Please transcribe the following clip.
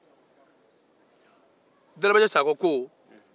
dalabaɲa sakɔ ko